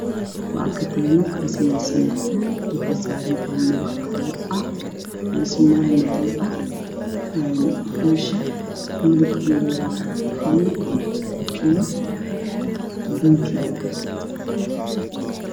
Waa katinad kasemeysan kul waxey sarantahay mel madow ah midabkeda waa qalin io binki